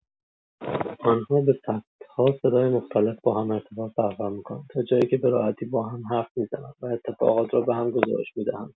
آن‌ها به صدها صدای مختلف باهم ارتباط برقرار می‌کنند؛ تا جایی که به‌راحتی باهم حرف می‌زنند و اتفاقات را به هم گزارش می‌دهند.